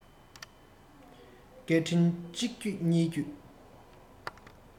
སྐད འཕྲིན གཅིག བརྒྱུད གཉིས བརྒྱུད